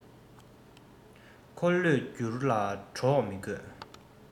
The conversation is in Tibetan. འཁོར ལོས བསྒྱུར ལ གྲོགས མི དགོས